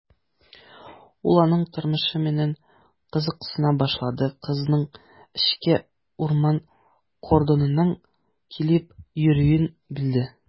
Ул аның тормышы белән кызыксына башлады, кызның эшкә урман кордоныннан килеп йөрүен белде.